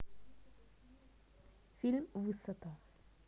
фильм высота